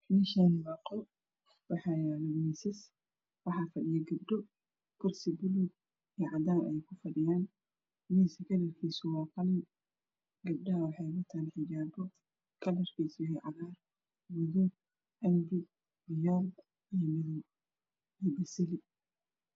Meshani waa qol waxaa yala misas waxaa fadhiya gebdho kursi buluug iyo cadan aueey ku fadhiyaan miska kalarkiisu waa qalin gabdhaha wexeey watan xijabo kalarkiisu yahay cagar gaduud cambe fiyooln iyo basali